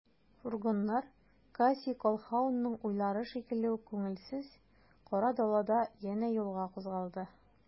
Фургоннар Кассий Колһаунның уйлары шикелле үк күңелсез, кара далада янә юлга кузгалды.